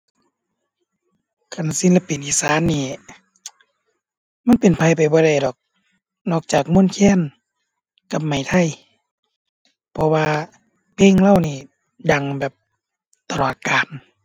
คันศิลปินอีสานนี่ มันเป็นไผไปบ่ได้ดอก นอกจากมนต์แคนกับไหมไทย เพราะว่า เพลงเลานี่ดังแบบตลอดกาล